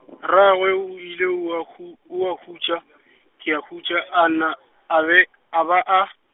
rragwe o ile o a hu-, o a hutša , ke ya hutša a na, a be, a be a.